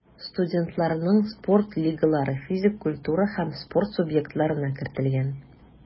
Студентларның спорт лигалары физик культура һәм спорт субъектларына кертелгән.